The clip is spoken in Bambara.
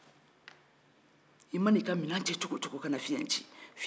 i mana i ka minɛn cɛ cogo o cogo fiɲɛ to yen